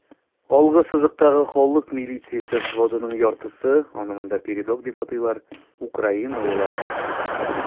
Алгы сызыктагы халык милициясе взводының яртысы (аны монда "передок" дип атыйлар) - украиналылар.